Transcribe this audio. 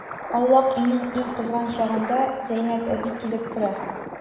Аулак өйнең иң кызган чагында Зәйнәп әби килеп керә.